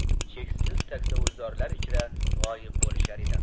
cheksiz saksovulzorlar ichra g'oyib bolishar edi